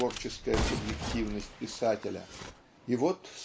творческая субъективность писателя. И вот